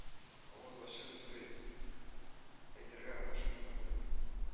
Авыз ачып сүз әйтергә ашыкмады